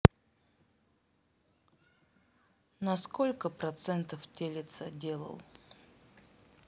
на сколько процентов телется делал